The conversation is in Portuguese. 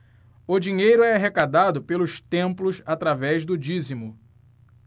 o dinheiro é arrecadado pelos templos através do dízimo